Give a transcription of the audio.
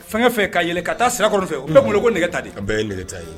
Fanga fɛ ka ka taa sira fɛ u n bɛ bolo ko ne ta di ka bɛɛ ye ne ta ye